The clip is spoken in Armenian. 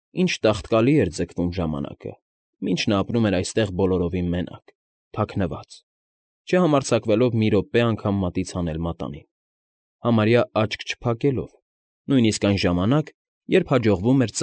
Ի՜նչ տաղտկալի էր ձգվում ժամանակը, մինչև նա ապրում էր այստեղ բոլորովին մենակ, թաքնված, չհամարձակվլեով մի րոպե անգամ մատից հանել մատանին, համարյա աչք չփակելով, նույնիսկ այն ժամանակ, երբ հաջողվում էր։